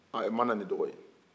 a ma na ni dɔgɔ ye